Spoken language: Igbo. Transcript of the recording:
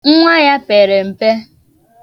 Nwa ya pere mpe.